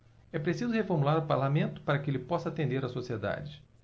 é preciso reformular o parlamento para que ele possa atender a sociedade